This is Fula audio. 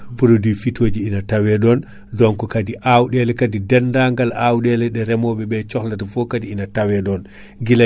ngo waɗama yimɓeɓe ji hen koyemumen no fewi waloji jawtuɗiɗi kaadi ngo waɗanoma yimɓeɓe ji hen koyemumen no fewi